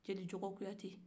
jeli jɔgɔ kouyate